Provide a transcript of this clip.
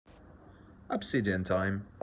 obsidian time